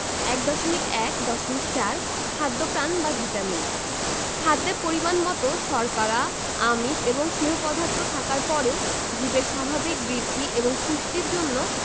১.১.৪ খাদ্যপ্রাণ বা ভিটামিন খাদ্যে পরিমাণমতো শর্করা আমিষ এবং স্নেহ পদার্থ থাকার পরেও জীবের স্বাভাবিক বৃদ্ধি এবং পুষ্টির জন্য